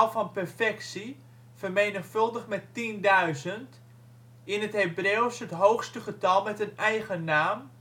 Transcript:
van perfectie vermenigvuldigd met 10000 (in het Hebreeuws het hoogste getal met een eigennaam